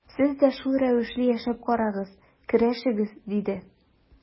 Сез дә шул рәвешле яшәп карагыз, көрәшегез, диде.